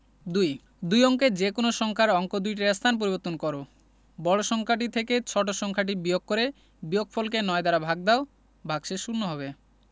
২ দুই অঙ্কের যেকোনো সংখ্যার অঙ্ক দুইটির স্থান পরিবর্তন কর বড় সংখ্যাটি থেকে ছোট ছোট সংখ্যাটি বিয়োগ করে বিয়োগফলকে ৯ দ্বারা ভাগ দাও ভাগশেষ শূন্য হবে